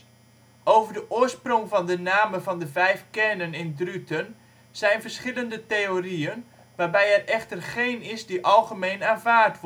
Over de oorsprong van de namen van de vijf kernen in Druten zijn verschillende theorieën, waarbij er echter geen is die algemeen aanvaard